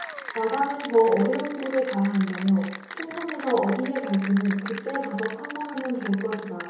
나가면 더 어려운 곳에 가야 한다며 총선에서 어디에 갈지는 그 때 가서 판단하면 될 것이다